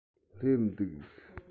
སླེབས འདུག